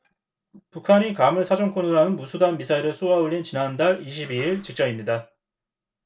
북한이 괌을 사정권으로 하는 무수단 미사일을 쏘아 올린 지난달 이십 이 일 직전입니다